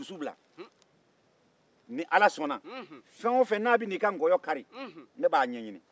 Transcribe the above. ni ala sɔnna ni fɛn min bɛ na i ka nkɔyɔ kari ne b'a ɲɛɲini